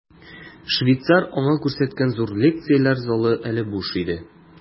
Швейцар аңа күрсәткән зур лекцияләр залы әле буш иде.